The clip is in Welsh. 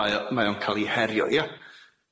Mae o mae o'n ca'l i herio ia?